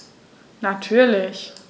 Natürlich.